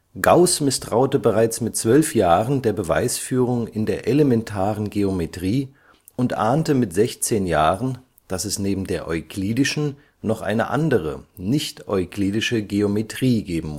Gauß misstraute bereits mit zwölf Jahren der Beweisführung in der elementaren Geometrie und ahnte mit sechzehn Jahren, dass es neben der euklidischen noch eine andere, nicht-euklidische Geometrie geben